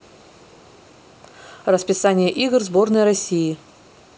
расписание игр сборной россии